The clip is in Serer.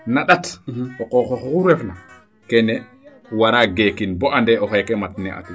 na ndat o qoxoox oxu refna keene wara geekin bo ande o xeeke mat ne a tinum